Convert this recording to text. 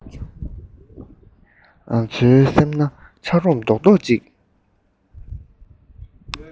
ང ཚོའི སེམས ན ཆབ རོམ རྡོག རྡོག གཅིག